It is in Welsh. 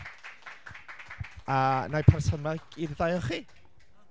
A wna i pasio'r mic i'r ddau o chi.